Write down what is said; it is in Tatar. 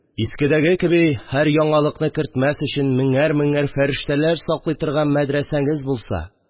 Искедәге кеби, һәр яңалыкны кертмәс өчен меңәр-меңәр фәрештәләр саклый торган мәдрәсәңез булса